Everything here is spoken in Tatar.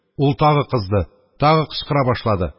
Ул тагы кызды, тагы кычкыра башлады.